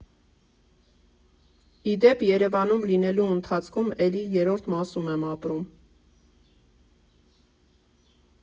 Ի դեպ, Երևանում լինելու ընթացքում էլի Երրորդ մասում եմ ապրում։